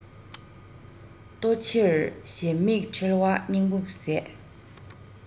ལྟོ ཕྱིར གཞན མིག ཁྲེལ བ སྙིང པོ ཟད